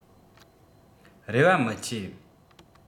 རེ བ མི ཆེ